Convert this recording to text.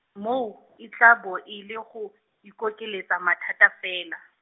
moo, e tla bo e le go, ikokeletsa mathata fela.